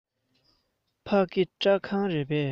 ཕ གི སྐྲ ཁང རེད པས